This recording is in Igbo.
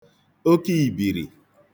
okiìbìrì